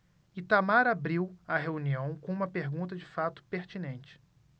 itamar abriu a reunião com uma pergunta de fato pertinente